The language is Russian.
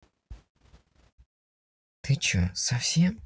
ты че совсем